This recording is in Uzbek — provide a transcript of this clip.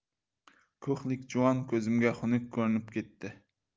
ko'hlik juvon ko'zimga xunuk ko'rinib ketdi